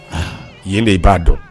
Aa yen de i b'a dɔn